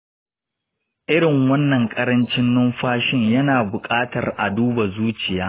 irin wannan ƙarancin numfashin yana bukatar a duba zuciya.